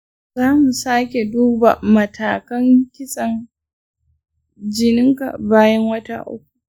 za mu sake duba matakan kitsen jininka bayan wata uku.